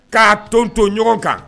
K'a toon to ɲɔgɔn kan